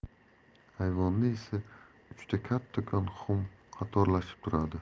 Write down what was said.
ayvonda esa uchta kattakon xum qatorlashib turadi